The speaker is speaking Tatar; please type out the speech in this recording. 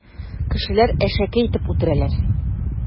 Кешеләр әшәке итеп үтерәләр.